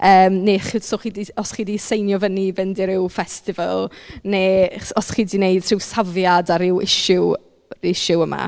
Yym neu chi... so chi 'di... os chi 'di seinio fyny i fynd i ryw festival neu s- os chi 'di wneud ryw safiad ar ryw issue issue yma.